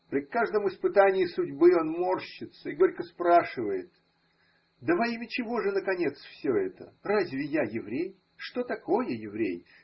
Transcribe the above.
При каждом испытании судьбы он морщится и горько спрашивает: Да во имя чего же, наконец, все это? Разве я еврей? Что такое еврей?